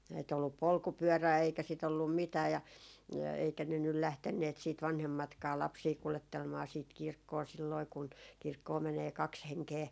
ei - ollut polkupyörää eikä sitä ollut mitään ja eikä ne nyt lähteneet sitten vanhemmatkaan lapsia kuljettelemaan sitten kirkkoon silloin kun kirkkoon menee kaksi henkeä